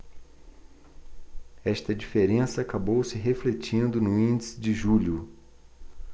esta diferença acabou se refletindo no índice de julho